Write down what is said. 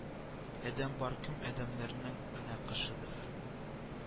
Адәм бар кем адәмнәрнең нәкышыдыр